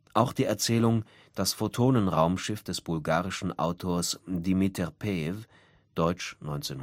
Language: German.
Auch die Erzählung „ Das Photonenraumschiff “des bulgarischen Autors Dimiter Peew (deutsch 1968